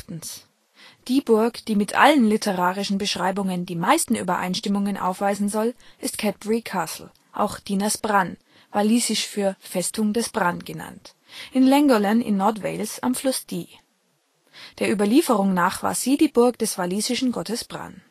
Die Burg, die mit allen literarischen Beschreibungen die meisten Übereinstimmungen aufweisen soll, ist Cadbury Castle, auch Dinas Bran (walisisch für Festung des Bran) genannt, in Llangolan in Nordwales am Fluss Dee. Der Überlieferung nach war sie die Burg des walisischen Gottes Bran